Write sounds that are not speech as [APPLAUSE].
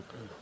[HESITATION]